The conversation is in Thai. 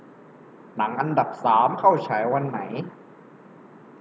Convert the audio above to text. หนังอันดับสามเข้าฉายวันไหน